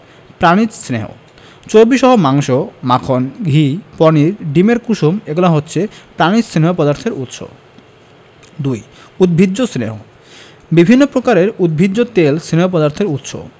প্রাণিজ স্নেহ চর্বিসহ মাংস মাখন ঘি পনির ডিমের কুসুম এগুলো হচ্ছে প্রাণিজ স্নেহ পদার্থের উৎস ২. উদ্ভিজ্জ স্নেহ বিভিন্ন প্রকারের উদ্ভিজ তেল স্নেহ পদার্থের উৎস